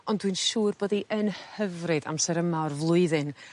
Ond dwi'n siŵr bod 'i yn hyfryd amser yma o'r flwyddyn